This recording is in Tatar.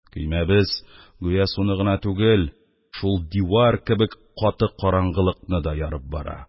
Көймәбез гүя суны гына түгел, шул дивар кебек каты караңгылыкны да ярып бара.